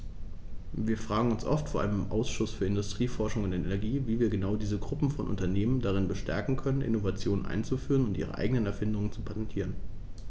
Wir fragen uns oft, vor allem im Ausschuss für Industrie, Forschung und Energie, wie wir genau diese Gruppe von Unternehmen darin bestärken können, Innovationen einzuführen und ihre eigenen Erfindungen zu patentieren.